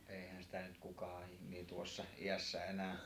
eihän sitä nyt kukaan ihminen tuossa iässä enää